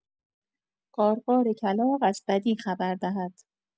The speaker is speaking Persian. قار قار کلاغ از بدی خبر دهد